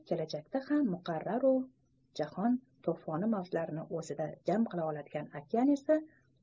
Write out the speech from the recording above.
kelajakda ham muqarribu muqarrar jahon to'foni mavjlarini o'zida jam qila oladigan okean esa